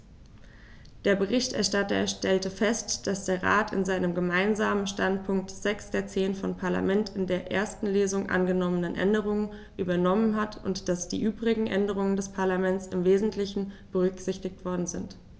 Der Berichterstatter stellte fest, dass der Rat in seinem Gemeinsamen Standpunkt sechs der zehn vom Parlament in der ersten Lesung angenommenen Änderungen übernommen hat und dass die übrigen Änderungen des Parlaments im wesentlichen berücksichtigt worden sind.